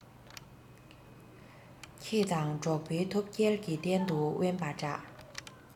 ཁྱེད དང འགྲོགས པའི ཐོབ སྐལ གྱིས གཏན དུ དབེན པ འདྲ